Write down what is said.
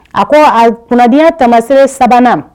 A ko a kunnadi tamasire sabanan